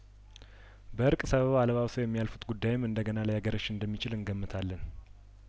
በእርቅ ሰበብ አለባብሰው የሚያልፉት ጉዳይም እንደገና ሊያገረሽ እንደሚችል እንገም ታለን